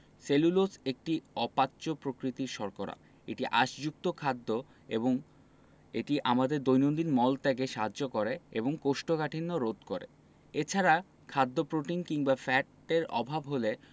cellulose একটি অপাচ্য প্রকৃতির শর্করা এটি আঁশযুক্ত খাদ্য এবং এটি আমাদের দৈনন্দিন মল ত্যাগে সাহায্য করে এবং কোষ্ঠকাঠিন্য রোধ করে এছাড়া খাদ্যে প্রোটিন কিংবা ফ্যাটের অভাব হলে